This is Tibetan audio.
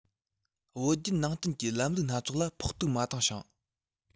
བོད བརྒྱུད ནང བསྟན གྱི ལམ ལུགས སྣ ཚོགས ལ ཕོག ཐུག མ བཏང ཞིང